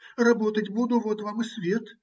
Работать буду - вот вам и свет.